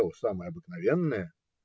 Дело самое обыкновенное.